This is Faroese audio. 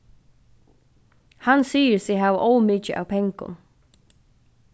hann sigur seg hava ovmikið av pengum